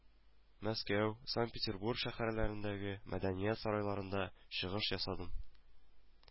Мәскәү, Санкт-Петербург шәһәрләрендәге мәдәният сарайларында чыгыш ясадым